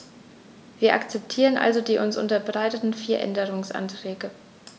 Wir akzeptieren also die uns unterbreiteten vier Änderungsanträge.